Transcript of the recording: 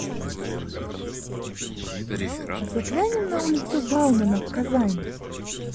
заглянем на улицу баумана в казань